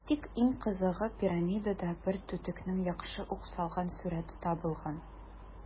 Тик иң кызыгы - пирамидада бер түтекнең яхшы ук сакланган сурəте табылган.